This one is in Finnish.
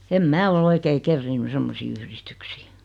en minä ole oikein kerinnyt semmoisiin yhdistyksiin